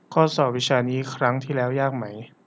ข้อสอบวิชานี้ครั้งที่แล้วยากไหม